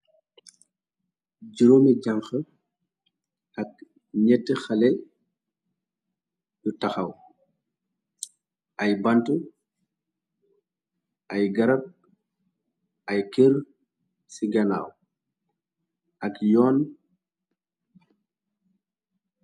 Juróomi jank ak nyetti xale yu taxaw ay bante ay garab ay kërap ci ganaaw ak yoon.